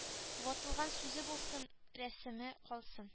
Ватылган сүзе булсын рәсеме калсын